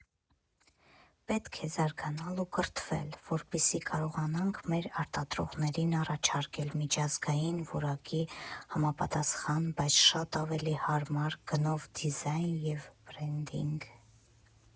Պետք է զարգանալ ու կրթվել, որպեսզի կարողանանք մեր արտադրողներին առաջարկել միջազգային որակին համապատասխան, բայց շատ ավելի հարմար գնովդիզայն և բրենդինգ։